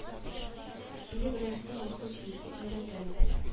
Сине берәрсе махсус биергә өйрәтәме